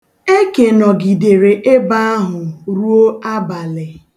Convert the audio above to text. Eke nọgidere ebe ahụ ruo abalị.